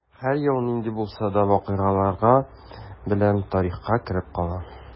Һәр ел нинди дә булса вакыйгалары белән тарихка кереп кала.